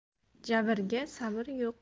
jabrga sabr yo'q